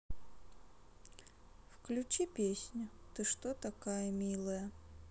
включи песню ты что такая милая